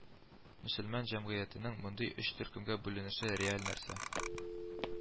Мөселман җәмгыятенең мондый өч төркемгә бүленеше реаль нәрсә